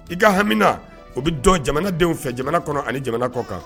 I ka hamimina o bɛ don jamana denw fɛ jamana kɔnɔ ani jamana kɔ kan